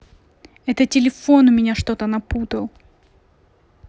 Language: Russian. это телефон у меня что то напутал